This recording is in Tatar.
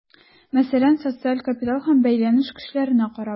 Мәсәлән, социаль капитал һәм бәйләнеш көчләренә карап.